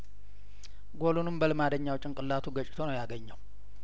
ጐሉንም በልማደኛው ጭንቅላቱ ገጭቶ ነው ያገኘው